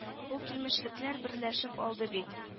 Бу килмешәкләр берләшеп алды бит